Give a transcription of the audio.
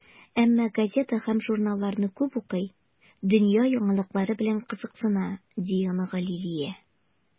Әмма газета һәм журналларны күп укый, дөнья яңалыклары белән кызыксына, - ди оныгы Лилия.